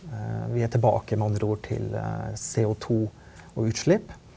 vi er tilbake med andre ord til CO2 og utslipp.